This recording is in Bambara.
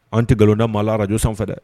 An tɛ nkalon da maa la arajo sanfɛ dɛ